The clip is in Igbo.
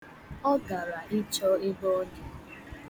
Ọ gara ịchọ ebe ọ dị.